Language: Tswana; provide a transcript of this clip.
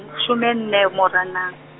somenne Moranang.